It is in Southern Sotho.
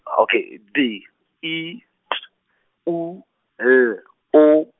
okay, D I T U L O.